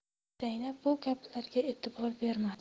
zaynab bu gaplarga e'tibor bermadi